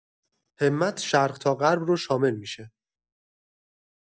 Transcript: همت شرق تا غرب رو شامل می‌شه.